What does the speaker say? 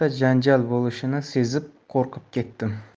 bo'lishini sezib qo'rqib ketdim